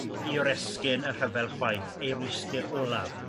i oresgyn y rhyfel chwaith ei rwystr olaf